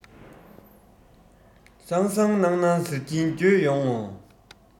སང སང གནངས གནངས ཟེར གྱིན འགྱོད ཡོང ངོ